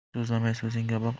so'zlamay so'zingga boq